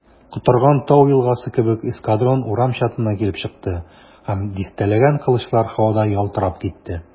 Котырган тау елгасы кебек эскадрон урам чатына килеп чыкты, һәм дистәләгән кылычлар һавада ялтырап китте.